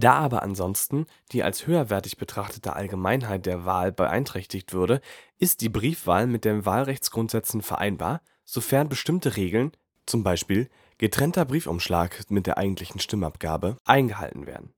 aber ansonsten die als höherwertig betrachtete Allgemeinheit der Wahl beeinträchtigt würde, ist die Briefwahl mit den Wahlrechtsgrundsätzen vereinbar, sofern bestimmte Regeln (z. B. getrennter Briefumschlag mit der eigentlichen Stimmabgabe) eingehalten werden